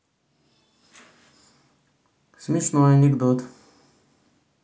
смешной анекдот